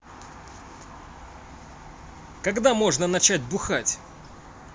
когда можно начать бухать